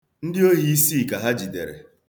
Ndị ohi isii ka ha jidere.